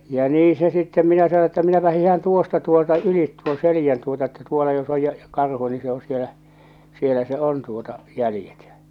ja niin se sitten minä sanoin että minäpä hiihdän tuosta tuolta yli tuon selän tuota että tuolla jos on ja ja karhu niin se on siellä siellä se on tuota jäljet ja